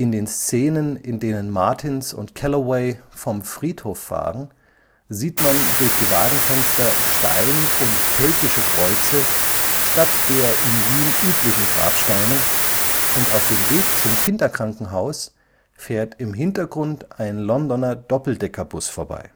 den Szenen, in denen Martins und Calloway vom Friedhof fahren, sieht man durch die Wagenfenster Stein - und keltische Kreuze statt der in Wien üblichen Grabsteine, und auf dem Weg zum Kinderkrankenhaus fährt im Hintergrund ein Londoner Doppeldeckerbus vorbei